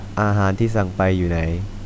อาหารที่สั่งไปอยู่ไหน